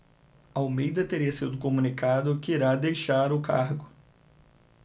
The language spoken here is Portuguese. almeida teria sido comunicado que irá deixar o cargo